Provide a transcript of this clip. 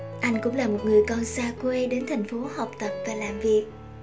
anh cũng là một người con xa quê đến thành phố học tập và làm việc